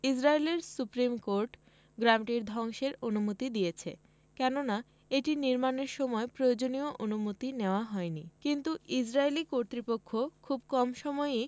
ইসরাইলের supreme court গ্রামটি ধ্বংসের অনুমতি দিয়েছে কেননা এটি নির্মাণের সময় প্রয়োজনীয় অনুমতি নেওয়া হয়নি কিন্তু ইসরাইলি কর্তৃপক্ষ খুব কম সময়ই